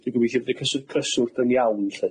Dwi'n gobeithio bod y cysw- cyswllt yn iawn lly.